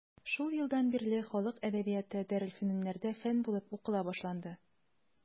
Шул елдан бирле халык әдәбияты дарелфөнүннәрдә фән булып укыла башланды.